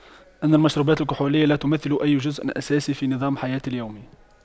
ان المشروبات الكحولية لا تمثل أي جزء أساسي في نظام حياتي اليومي